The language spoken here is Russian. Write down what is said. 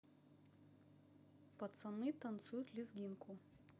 пацаны танцуют лезгинку